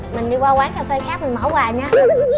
mình đi qua quán cà phê khác mình mở quà nha